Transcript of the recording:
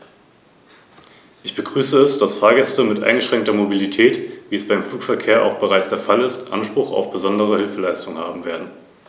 Das EU-Patentsystem leidet allerdings unter vielen Mängeln, die die Schaffung eines einheitlichen Patentschutzes, aber auch die Entwicklung des Binnenmarktes blockieren und dadurch die Rechtssicherheit für Erfinder und innovative Unternehmen mindern.